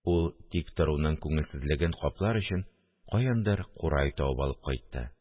Ул, тик торуның күңелсезлеген каплар өчен, каяндыр курай табып алып кайтты